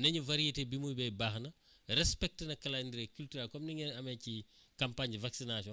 ne ñu variété bi muy béy baax na respecté na calendrier cultural comme ni ngeen amee ci campagne vaccination